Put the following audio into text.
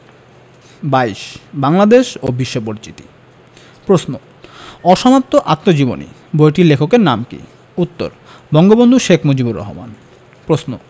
২২ বাংলাদেশ ও বিশ্ব পরিচিতি প্রশ্ন অসমাপ্ত আত্মজীবনী বইটির লেখকের নাম কী উত্তর বঙ্গবন্ধু শেখ মুজিবুর রহমান প্রশ্ন